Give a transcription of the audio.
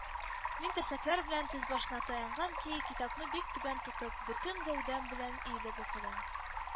Мин терсәкләр белән тез башына таянган көе, китапны бик түбән тотып, бөтен гәүдәм белән иелеп укыдым